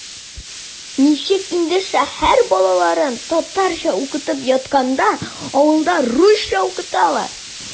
Ничек инде шәһәр балаларын татарча укытып ятканда авылда русча укыталар?!